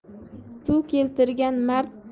suv keltirgan mard